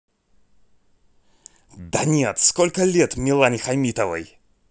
да нет сколько лет милане хамитовой